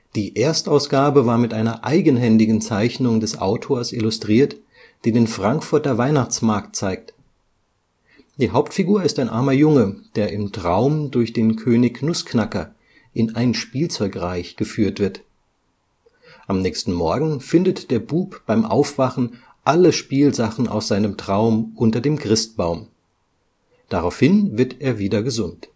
Die Erstausgabe war mit einer eigenhändigen Zeichnung des Autors illustriert, die den Frankfurter Weihnachtsmarkt zeigt. Die Hauptfigur ist ein armer Junge, der im Traum durch den König Nussknacker in ein Spielzeugreich geführt wird. Am nächsten Morgen findet der Bub beim Aufwachen alle Spielsachen aus seinem Traum unter dem Christbaum. Daraufhin wird er wieder gesund